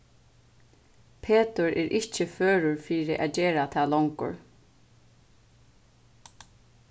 petur er ikki førur fyri at gera tað longur